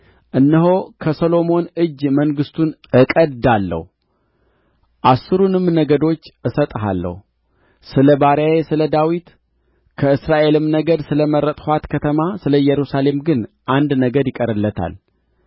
እነሆ ከሰሎሞን እጅ መንግሥቱን እቀድዳለሁ አሥሩንም ነገዶች እሰጥሃለሁ ስለ ባሪያዬ ስለ ዳዊት ከእስራኤልም ነገድ ስለ መረጥኋት ከተማ ስለ ኢየሩሳሌም ግን አንድ ነገድ ይቀርለታል